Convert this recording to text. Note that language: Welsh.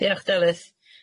Diolch Delyth.